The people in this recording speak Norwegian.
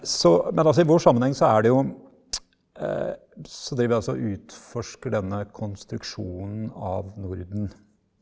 så men altså i vår sammenheng så er det jo så driver vi altså og utforsker denne konstruksjonen av Norden.